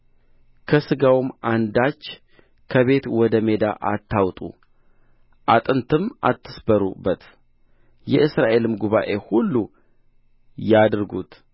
ከሥጋውም አንዳች ከቤት ወደ ሜዳ አታውጡ አጥንትም አትስበሩበት የእስራኤልም ጉባኤ ሁሉ ያድርጉት